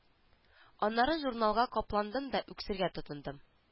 Аннары журналга капландым да үксергә тотындым